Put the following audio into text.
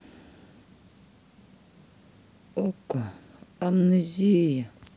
okko амнезия